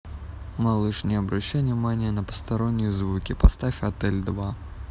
малыш не обращай внимания на посторонние звуки поставь отель два